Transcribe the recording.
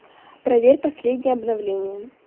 проверь последнее обновление